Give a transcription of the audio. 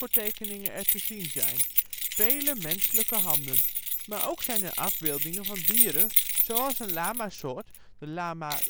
tekeningen er te zien zijn; vele menselijke handen. Maar ook zijn er afbeeldingen van dieren zoals een lamasoort (Lama